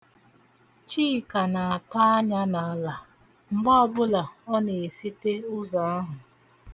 Chika na-atọ anya n'ala mgbe ọbụla ọ na-esite ụzọ ahụ.